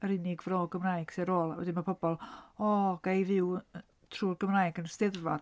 Yr unig fro Gymraeg sy ar ôl. A wedyn mae pobl "O ga i fyw drwy'r Gymraeg yn y 'Steddfod."